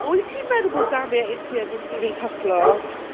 Wyt ti'n meddwl bod Dami a India yn mynd i rîcyplo?